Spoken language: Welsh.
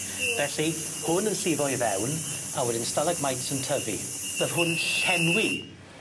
Felly hwn yn llifo i fewn a wedyn stalagmites yn tyfu. Nath hwn llenwi